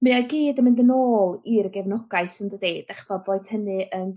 mi o i gyd yn mynd yn ôl i'r gefnogaeth yndydi 'dach ch'bod boed hynny yn